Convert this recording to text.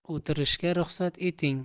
o'tirishga ruxsat eting